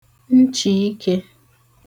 nchì ikē